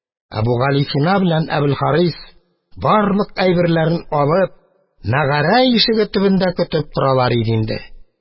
Әбүгалисина белән Әбелхарис, барлык әйберләрен алып, мәгарә ишеге төбендә көтеп торалар иде инде.